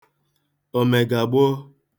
òmègàgboo